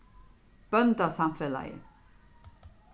bóndasamfelagið